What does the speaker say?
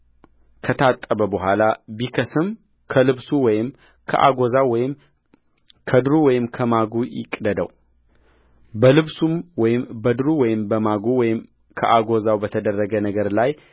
ከታጠበ በኋላ ቢከስም ከልብሱ ወይም ከአጐዛው ወይም ከድሩ ወይም ከማጉ ይቅደደውበልብሱም ወይም በድሩ ወይም በማጉ ወይም ከአጐዛው በተደረገ ነገር ላይ